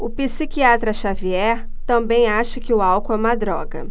o psiquiatra dartiu xavier também acha que o álcool é uma droga